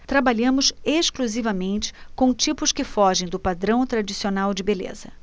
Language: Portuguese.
trabalhamos exclusivamente com tipos que fogem do padrão tradicional de beleza